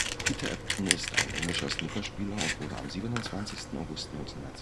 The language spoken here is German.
Peter Ebdon (* 27. August 1970